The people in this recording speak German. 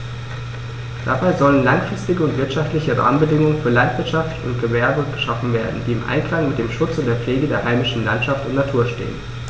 Dabei sollen langfristige und wirtschaftliche Rahmenbedingungen für Landwirtschaft und Gewerbe geschaffen werden, die im Einklang mit dem Schutz und der Pflege der heimischen Landschaft und Natur stehen.